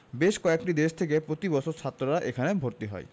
বেশ কয়েকটি দেশ থেকে প্রতি বছর ছাত্ররা এখানে ভর্তি হয়